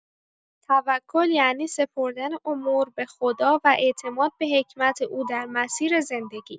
توکل یعنی سپردن امور به‌خدا و اعتماد به حکمت او در مسیر زندگی.